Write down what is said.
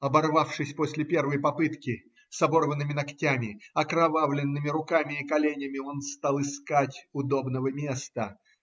Оборвавшись после первой попытки, с оборванными ногтями, окровавленными руками и коленями, он стал искать удобного места.